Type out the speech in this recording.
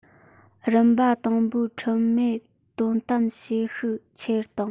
རིམ པ དང པོའི ཁྲིམས མིས དོ དམ བྱེད ཤུགས ཆེར གཏོང